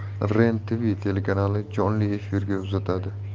tv telekanali jonli efirga uzatadi